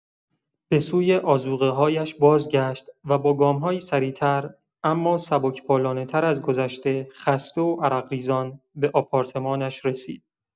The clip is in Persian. به‌سوی آذوقه‌هایش بازگشت و با گام‌هایی سریع‌تر، اما سبکبالانه‌تر از گذشته، خسته و عرق‌ریزان به آپارتمانش رسید.